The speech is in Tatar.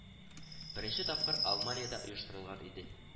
Беренче тапкыр Алманиядә оештырылган иде